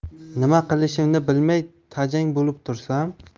nima qilishimni bilmay tajang bo'lib tursam